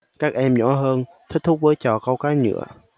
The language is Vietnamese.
các em nhỏ hơn thích thú với trò câu cá nhựa